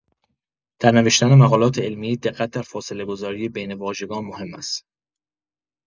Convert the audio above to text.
در نوشتن مقالات علمی دقت در فاصله‌گذاری بین واژگان مهم است.